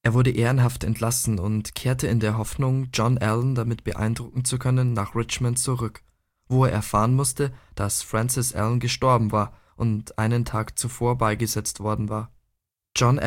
wurde ehrenhaft entlassen und kehrte in der Hoffnung, John Allan damit beeindrucken zu können, nach Richmond zurück, wo er erfahren musste, dass Frances Allan gestorben und einen Tag zuvor beigesetzt worden war. John